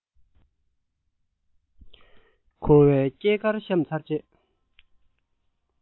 འཁོར བའི སྐྱེས སྐར བཤམས ཚར རྗེས